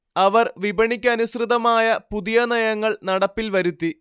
അവർ വിപണിക്കനുസൃതമായ പുതിയ നയങ്ങൾ നടപ്പിൽ വരുത്തി